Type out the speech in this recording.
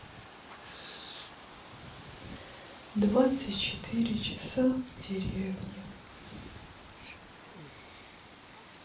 двадцать четыре часа в деревне